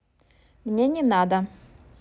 мне не надо